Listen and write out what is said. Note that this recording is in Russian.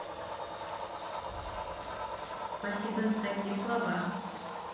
спасибо за такие слова